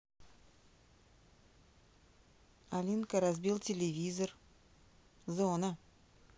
alinka разбил телевизор зона